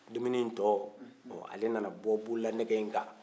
dumuni in tɔ ɔ ale nana bɔ bololanɛge in kan